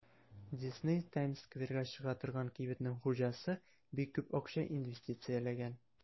Дисней (Таймс-скверга чыга торган кибетнең хуҗасы) бик күп акча инвестицияләгән.